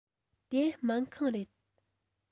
དེ སྨན ཁང རེད